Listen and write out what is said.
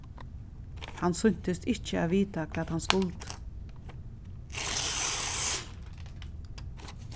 hann sýntist ikki at vita hvat hann skuldi